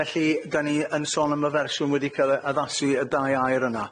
Felly, 'dan ni yn sôn am y fersiwn wedi ca'l y addasu y ddau air yna.